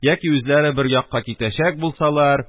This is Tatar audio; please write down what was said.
Яки үзләре бер якка китәчәк булсалар,